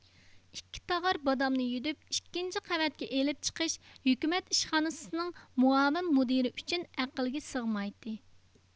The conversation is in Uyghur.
ئىككى تاغار بادامنى يۈدۈپ ئىككىنچى قەۋەتكە ئېلىپ چىقىش ھۆكۈمەت ئىشخانىسىنىڭ مۇئاۋىن مۇدىرى ئۈچۈن ئەقىلگە سىغمايتتى